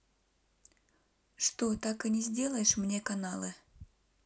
что так и не сделаешь мне каналы